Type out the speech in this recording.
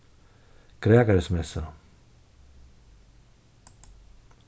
grækarismessa